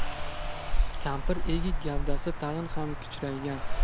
kampirning egik gavdasi tag'in ham kichraygan